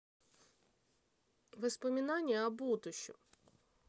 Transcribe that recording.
воспоминания о будущем